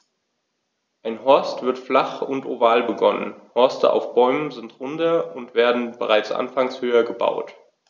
Ein Horst wird flach und oval begonnen, Horste auf Bäumen sind runder und werden bereits anfangs höher gebaut.